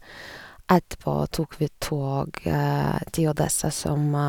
Etterpå tok vi toget til Odessa, som...